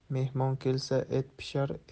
mehmon kelsa et pishar